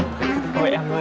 thôi em ơi